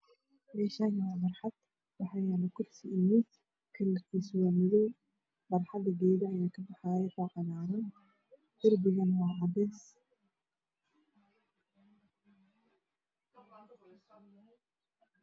Me Shani wa bar xad waxa yalo kursi kalarkisa wa madow bar xada geeda ayaa kabaxayo cacagaaran dirbigana wa cades